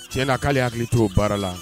Tiɲɛ na k'ale hakili t'o baara la.